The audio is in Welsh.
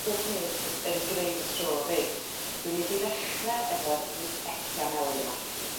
bob peth yn gneud y tro 'fyd dwi'n mynd i ddechre efo'r Rudbeckia melyn 'ma.